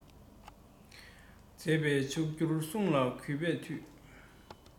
མཛད པའི མཆོག གྱུར གསུང ལ གུས པས འདུད